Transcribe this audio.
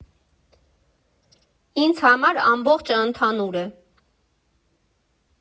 Ինձ համար ամբողջը ընդհանուր է։